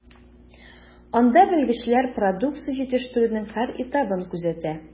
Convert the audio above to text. Анда белгечләр продукция җитештерүнең һәр этабын күзәтә.